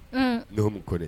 Un Nuhum Kɔnɛ